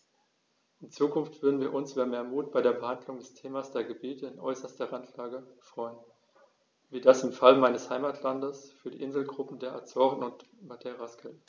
In Zukunft würden wir uns über mehr Mut bei der Behandlung des Themas der Gebiete in äußerster Randlage freuen, wie das im Fall meines Heimatlandes für die Inselgruppen der Azoren und Madeiras gilt.